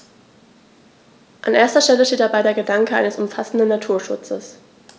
An erster Stelle steht dabei der Gedanke eines umfassenden Naturschutzes.